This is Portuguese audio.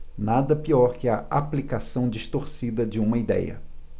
nada pior que a aplicação distorcida de uma idéia